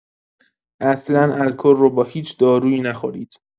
اصلا الکل رو با هیچ دارویی نخورید.